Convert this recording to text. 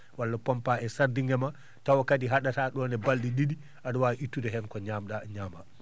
walla pompaa e sardinge ma tawa kadi haɗata ɗon e balɗe ɗiɗi aɗa waawi ittude heen ko ñamaɗa ñaamaa